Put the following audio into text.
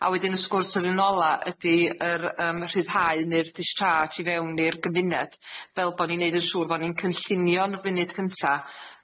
A wedyn y sgwrs yn yn ola ydi yr yym rhyddhau ne'r discharge i fewn i'r gymuned, fel bo' ni'n neud yn siŵr bo' ni'n cynllunio yn y funud cynta